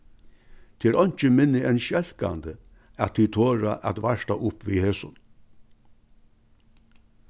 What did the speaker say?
tað er einki minni enn skelkandi at tit tora at varta upp við hesum